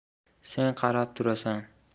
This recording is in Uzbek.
sen qarab turasan